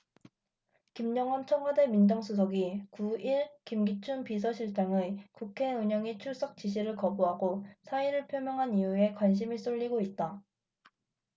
김영한 청와대 민정수석이 구 일 김기춘 비서실장의 국회 운영위 출석 지시를 거부하고 사의를 표명한 이유에 관심이 쏠리고 있다